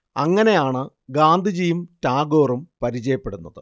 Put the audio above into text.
അങ്ങനെയാണ് ഗാന്ധിജിയും ടാഗോറും പരിചയപ്പെടുന്നത്